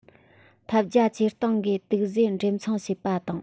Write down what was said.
ཐབས བརྒྱ ཇུས སྟོང གིས དུག རྫས འགྲེམ ཚོང བྱེད པ དང